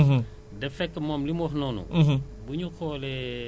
pour que ñu wax ak askan ñi nga xam ne ñu ngi yëngatu ci mbirum mbay